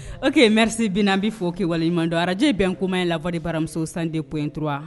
O kɛlenmerisi binnaan bɛ fɔ' waleɲuman don araje bɛn kuma ye lawale baramuso san de p intu wa